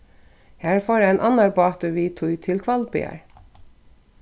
har fór ein annar bátur við tí til hvalbiar